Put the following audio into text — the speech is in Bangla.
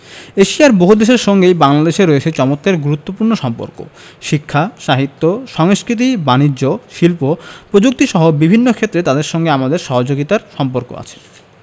এশিয়ার বহুদেশের সঙ্গেই বাংলাদেশের রয়েছে চমৎকার বন্ধুত্বপূর্ণ সম্পর্ক শিক্ষা সাহিত্য সংস্কৃতি বানিজ্য শিল্প প্রযুক্তিসহ বিভিন্ন ক্ষেত্রে তাদের সঙ্গে আমাদের সহযোগিতার সম্পর্ক আছে